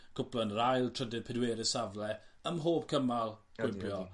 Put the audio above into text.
gwpla yn yr ail trydydd pedwerydd safle ym mhob cymal gwibio.